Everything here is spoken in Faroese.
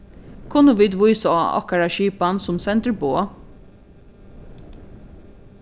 kunnu vit vísa á okkara skipan sum sendir boð